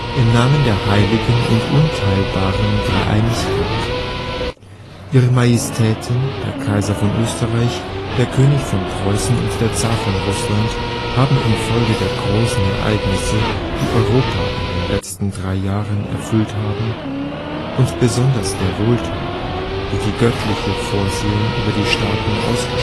Im Namen der heiligen und unteilbaren Dreieinigkeit! Ihre Majestäten, der Kaiser von Österreich, der König von Preußen und der Zar von Russland haben infolge der großen Ereignisse, die Europa in den letzten drei Jahren erfüllt haben, und besonders der Wohltaten, die die göttliche Vorsehung über die Staaten ausgegossen